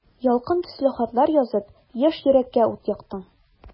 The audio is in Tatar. Ялкын төсле хатлар язып, яшь йөрәккә ут яктың.